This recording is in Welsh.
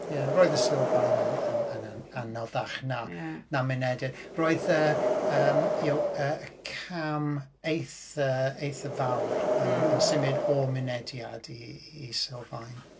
Ie, roedd y Sylfaen yn yn yn anoddach na na Mynediad. Roedd yy yym you know yy cam eitha eitha fawr yn yn symud o Mynediad i i Sylfaen.